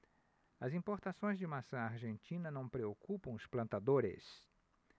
as importações de maçã argentina não preocupam os plantadores